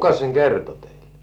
kuka sen kertoi teille